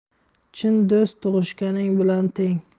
chin do'st tug'ishganing bilan teng